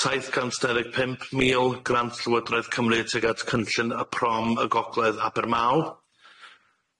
Saith cant dau ddeg pump mil grant Llywodraeth Cymru tuag at cynllun y prom y Gogledd Abermaw.